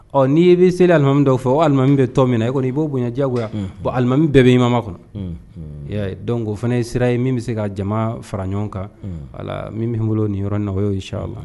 Ɔ n'i ye bɛ selilalimami dɔw fɔ olimami bɛ to min i kɔni i b'o bonya diyagoya bonlimami bɛɛ bɛ'i mamama kɔnɔ dɔn ko fana ye sira ye min bɛ se ka jama fara ɲɔgɔn kan min b bɛ n bolo ni yɔrɔ nɔgɔkɔ ye si la